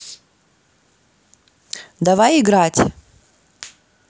давай играть